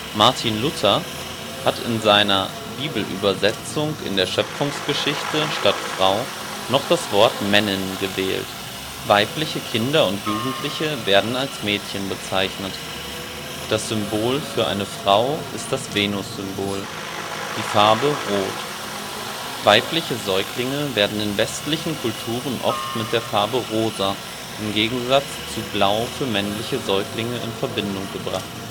Martin Luther hatte in seiner Bibelübersetzung in der Schöpfungsgeschichte statt " Frau " noch das Wort " Männin " gewählt. Weibliche Kinder und Jugendliche werden als Mädchen bezeichnet. (früher auch Fräulein.) Venus - symbol Das Symbol für eine Frau ist ♀– das Venussymbol, die Farbe rot. Weibliche Säuglinge werden in westlichen Kulturen oft mit der Farbe rosa, im Gegensatz zu blau für männliche Säuglinge, in Verbindung gebracht